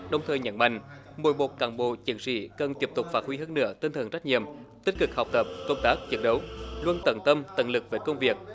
đồng thời nhấn mạnh mỗi một cán bộ chiến sĩ cần tiếp tục phát huy hơn nữa tinh thần trách nhiệm tích cực học tập công tác chiến đấu luôn tận tâm tận lực với công việc